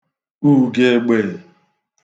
ùgègbè